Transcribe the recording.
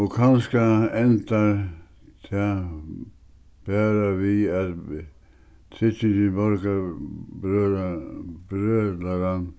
og kanska endar tað bara við at tryggingin borgar brølaran